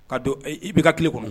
Ka don i bɛ ka tile kɔnɔ